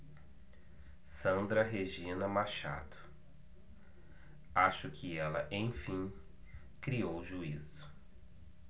sandra regina machado acho que ela enfim criou juízo